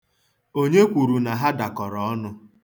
Onye kwuru na ha dakọrọ ọnụ?